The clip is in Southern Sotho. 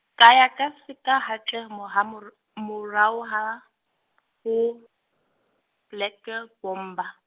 ka ya ka se ka hantle mohamor-, morao ha, o, Black Bomber.